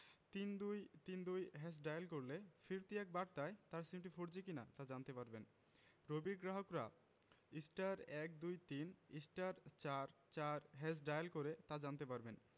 ৩২৩২# dial করলে ফিরতি এক বার্তায় তার সিমটি ফোরজি কিনা তা জানতে পারবেন রবির গ্রাহকরা *১২৩*৪৪# ডায়াল করে তা জানতে পারবেন